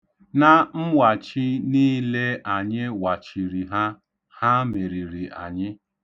Na mwachi niile anyị wachiri ha, ha meriri anyị.